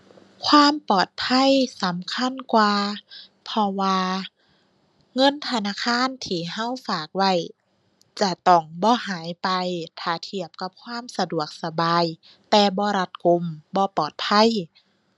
ความปลอดภัยสำคัญกว่า เพราะว่าเงินธนาคารที่เราฝากไว้ จะต้องบ่หายไป ถ้าเทียบกับความสะดวกสบาย แต่บ่รัดกุม บ่ปลอดภัย